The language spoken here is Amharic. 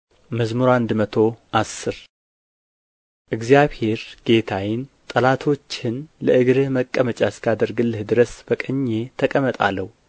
መዝሙር መቶ አስር እግዚአብሔር ጌታዬን ጠላቶችህን ለእግርህ መቀመጫ እስካደርግልህ ድረስ በቀኜ ተቀመጥ አለው